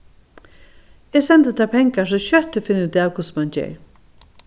eg sendi tær pengar so skjótt eg finni útav hvussu mann ger